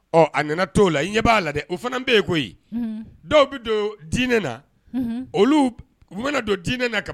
A nana t la ɲɛ b'a la dɛ o fana bɛ yen koyi dɔw bɛ don dinɛ na olu u bɛna don dinɛ na